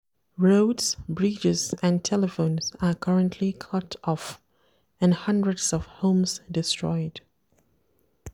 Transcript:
Roads, bridges and telephones are currently cut off and hundreds of homes destroyed.